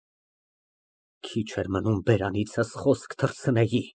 Քիչ էր մնում բերանիցս խոսք թռցնեի։